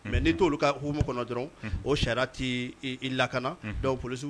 Mɛ n t toolu ka huumu kɔnɔ dɔrɔn o sariya t lakana dɔw poli